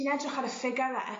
ti'n edrych ar y ffigyre